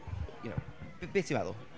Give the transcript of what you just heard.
you know b- be ti'n feddwl?